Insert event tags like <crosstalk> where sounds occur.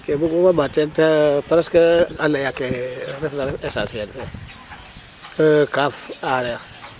Ke bug'uma mbaat teen te presque nu laya ke refna ref essentiel fe <hesitation> kaaf aareer.